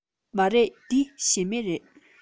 མ རེད འདི ཞི མི རེད